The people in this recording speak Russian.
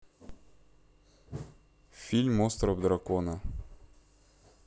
фильм остров дракона